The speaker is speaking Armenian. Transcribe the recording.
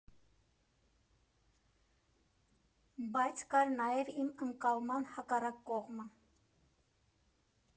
Բայց կար նաև իմ ընկալման հակառակ կողմը.